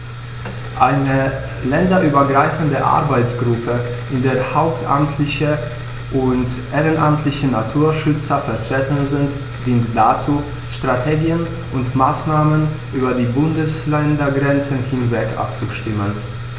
Eine länderübergreifende Arbeitsgruppe, in der hauptamtliche und ehrenamtliche Naturschützer vertreten sind, dient dazu, Strategien und Maßnahmen über die Bundesländergrenzen hinweg abzustimmen.